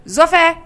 Sɔfɛ